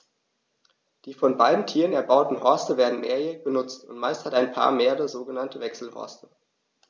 Die von beiden Tieren erbauten Horste werden mehrjährig benutzt, und meist hat ein Paar mehrere sogenannte Wechselhorste.